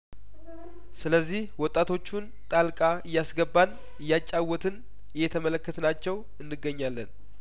ስለዚህ ወጣቶቹን ጣልቃ እያስገባን እያጫወትን እየተመለከት ናቸው እንገኛለን